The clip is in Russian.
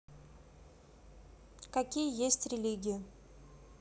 какие есть религии